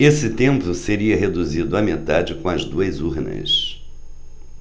esse tempo seria reduzido à metade com as duas urnas